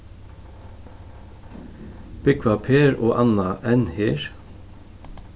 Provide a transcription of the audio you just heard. búgva per og anna enn her